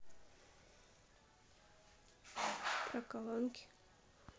про колонки